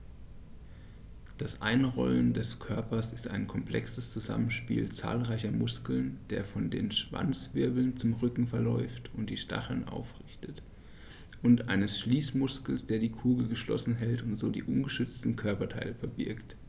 Das Einrollen des Körpers ist ein komplexes Zusammenspiel zahlreicher Muskeln, der von den Schwanzwirbeln zum Rücken verläuft und die Stacheln aufrichtet, und eines Schließmuskels, der die Kugel geschlossen hält und so die ungeschützten Körperteile verbirgt.